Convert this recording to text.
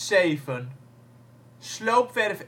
2007 - sloopwerf